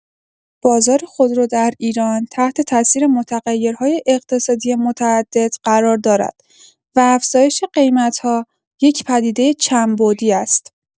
بازار خودرو در ایران تحت‌تأثیر متغیرهای اقتصادی متعدد قرار دارد و افزایش قیمت‌ها یک پدیده چندبعدی است.